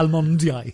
Almondiau.